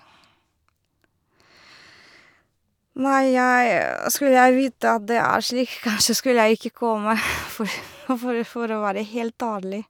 Nei, jeg skulle jeg vite at det er slik, kanskje skulle jeg ikke komme, for å for å for å være helt ærlig.